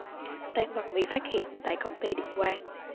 tang vật bị phát hiện tại công ty điện quang